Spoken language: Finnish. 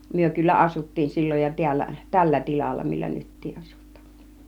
me kyllä asuttiin silloin jo täällä tällä tilalla millä nytkin asutaan